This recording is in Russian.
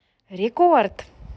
рекорд